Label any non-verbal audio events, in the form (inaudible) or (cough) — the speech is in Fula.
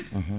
(hesitation) (hesitation)